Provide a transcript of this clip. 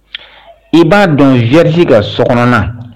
I b a don ziti ka sokɔnɔ